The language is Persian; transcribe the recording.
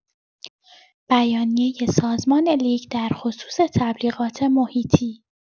بیانیۀ سازمان لیگ در خصوص تبلیغات محیطی